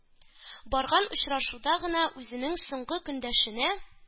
Барган очрашуда гына үзенең соңгы көндәшенә –